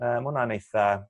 yy ma' wnna'n eitha